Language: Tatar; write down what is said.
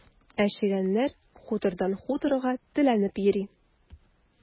Ә чегәннәр хутордан хуторга теләнеп йөри.